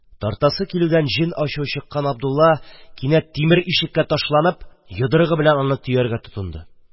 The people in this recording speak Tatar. Тартасы килүдән җен ачуы чыккан Абдулла кинәт тимер ишеккә ташланып, йодрыгы белән аны төяргә тотынды.